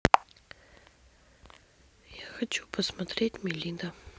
я хочу посмотреть мелида